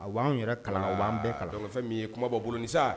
A b' anwan yɛrɛ kalan u b'an bɛn kalan dɔn fɛn min ye kuma bɔ bolo nisa